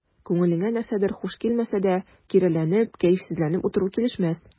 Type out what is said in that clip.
Күңелеңә нәрсәдер хуш килмәсә дә, киреләнеп, кәефсезләнеп утыру килешмәс.